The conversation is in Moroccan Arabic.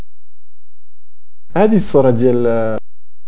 هذه الصوره